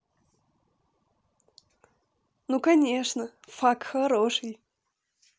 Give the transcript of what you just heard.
ну конечно fuck хороший